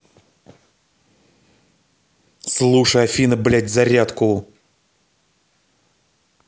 слушай афина блядь зарядку